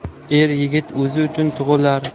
er yigit o'zi uchun